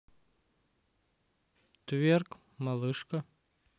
тверк малышка